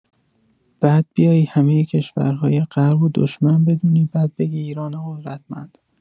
بعد بیای همه کشورهای غرب و دشمن بدونی بعد بگی ایران قدرتمند.